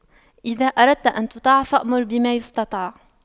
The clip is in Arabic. إذا أردت أن تطاع فأمر بما يستطاع